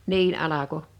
niin alkoi